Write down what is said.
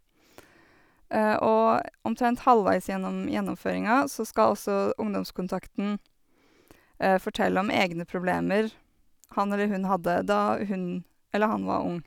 Og omtrent halvveis gjennom gjennomføringa så skal også ungdomskontakten fortelle om egne problemer han eller hun hadde da hun eller han var ung.